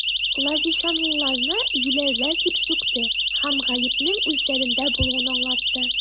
Лозищанлыларны юләрләр дип сүкте һәм гаепнең үзләрендә булуын аңлатты.